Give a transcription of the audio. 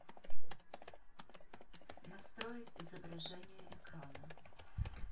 настроить изображение экрана